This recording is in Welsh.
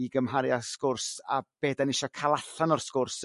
I gymharu a sgwrs a be' dyn ni isio ca'l allan o'r sgwrs